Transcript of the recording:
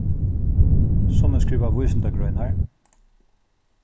summi skriva vísindagreinar